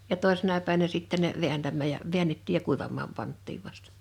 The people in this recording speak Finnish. ja toisena päivänä sitten ne vääntämään ja väännettiin ja kuivamaan pantiin vasta